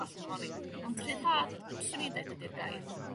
...allan ohoni. Ond rhyddhad y byswn i'n deud ydi'r gair.